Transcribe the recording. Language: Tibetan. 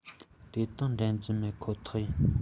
དེ དང འགྲན རྒྱུ མེད ཁོ ཐག ཡིན